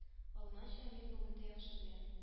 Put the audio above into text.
Алманча мин бүген дә яхшы беләм